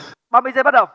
ba mươi giây bắt đầu